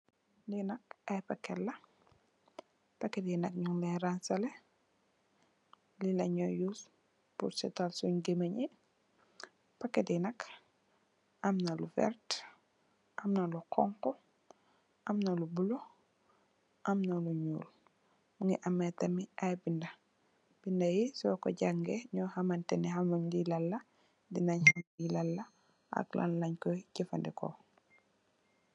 Li nak ay pakèt la, pakèt yi nak nung leen rangsalè, li la nu use purr sètal sunn gèmèn yi. Pakèt yi nak amna lu vert, amna lu honku, amna lu bulo, amna lu ñuul, mungi ameh tamit ay binda. Binda yi soko jàngay nyo hamantene ha mun li lan la di nen ham li lan la ak lan leen koy jafadeko.